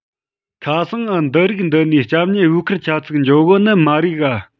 ཁ སང འདི རིགས འདི ནས སྐྱ མྱི བོའུ ཁུར ཆ ཚིག འགྱོ གོ ནི མ རིག ག